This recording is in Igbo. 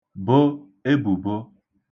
bo ebùbo